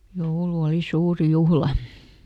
joulu oli suuri juhla